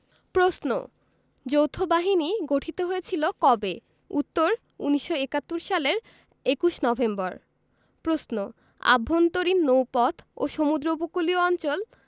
প্রশ্ন যৌথবাহিনী গঠিত হয়েছিল কবে উত্তর ১৯৭১ সালের ২১ নভেম্বর প্রশ্ন আভ্যন্তরীণ নৌপথ ও সমুদ্র উপকূলীয় অঞ্চল